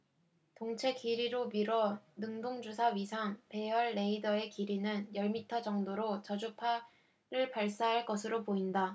동체 길이로 미뤄 능동주사 위상 배열 레이더의 길이는 열 미터 정도로 저주파 를 발사할 것으로 보인다